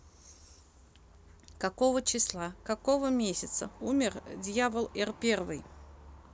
какого числа какого месяца умер дьявол р первый